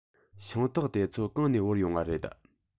ཤིང ཏོག དེ ཚོ གང ནས དབོར ཡོང བ རེད